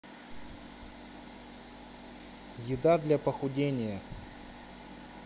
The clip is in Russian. еда для похудения